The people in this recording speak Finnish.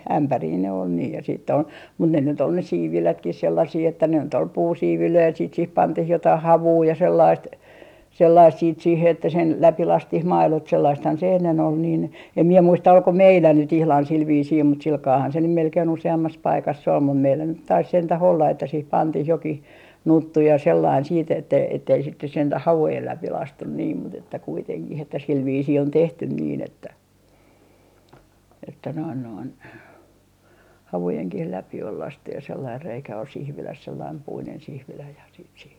ämpäreitä ne oli niin ja sitten oli mutta ne nyt oli ne siivilätkin sellaisia että ne nyt oli puusiivilöitä ja sitten siihen pantiin jotakin havua ja sellaista sellaista sitten siihen että sen läpi laski maidot sellaistahan se ennen oli niin en minä muista oliko meillä nyt ihan sillä viisiin mutta sillä kalellahan ne nyt melkein useammassa paikassa oli mutta meillä nyt taisi sentään olla että siihen pantiin jokin nuttu ja sellainen sitten -- että ei sitten nyt sentään havujen läpi laskettu niin mutta että kuitenkin että sillä viisiin on tehty niin että että noin noin havujenkin läpi oli laskettu ja sellainen reikä oli sihvilässä sellainen puinen sihvilä ja sitten siitä